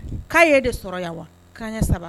' ye de sɔrɔ yan wa' ɲɛ saba